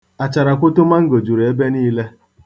Acharakwoto mangoro juru ebe niile.